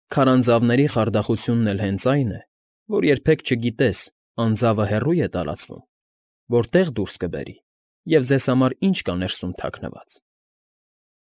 Քարանձավների խարդախությունն էլ հենց այն է, որ երբեք չգիտես՝ անձավը հեռո՞ւ է տարածվում, որտե՞ղ դուրս կբերի և ձեզ համար ինչ կա ներսում թաքնված։